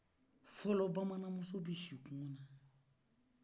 fɔlɔ baman muso bɛ si kɔgɔna